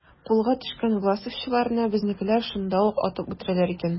Кулга төшкән власовчыларны безнекеләр шунда ук атып үтерәләр икән.